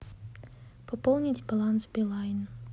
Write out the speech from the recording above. пополнить баланс билайн